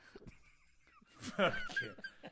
Fuck you.